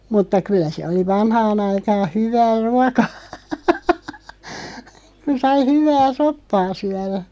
mutta kyllä se oli vanhaan aikaan hyvää ruokaa kun sai hyvää soppaa syödä